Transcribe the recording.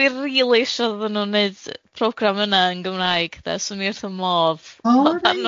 Dwi rili isho iddyn nw wneud program yna yn Gymraeg 'de, 'swn i wrth 'y modd. O reit!